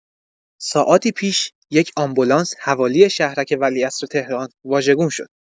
ساعاتی پیش یک آمبولانس حوالی شهرک ولیعصر تهران واژگون شد.